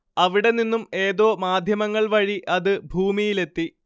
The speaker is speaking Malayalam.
അവിടെ നിന്നും ഏതോ മാധ്യമങ്ങൾ വഴി അത് ഭൂമിയിലെത്തി